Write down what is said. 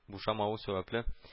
Бушамавы сәбәпле